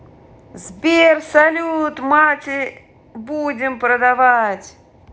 сбер салют матерь будем продавать